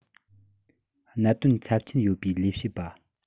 གནད དོན ཚབས ཆེན ཡོད པའི ལས བྱེད པ